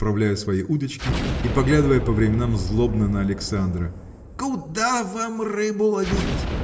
поправляя свои удочки и поглядывая по временам злобно на Александра – куда вам рыбу ловить!